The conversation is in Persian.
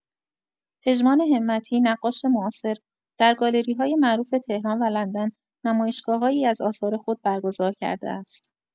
پژمان همتی، نقاش معاصر، در گالری‌های معروف تهران و لندن نمایشگاه‌هایی از آثار خود برگزار کرده است.